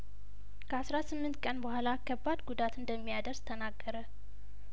ከአስራ ስምንት ቀን በኋላ ከባድ ጉዳት እንደሚያደርስ ተናገረ